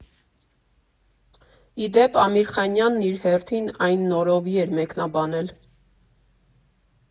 Ի դեպ, Ամիրխանյանն իր հերթին այն նորովի էր մեկնաբանել։